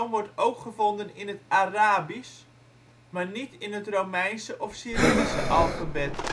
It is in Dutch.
wordt ook gevonden in het Arabisch, maar niet in het Romeinse of cyrillische alfabet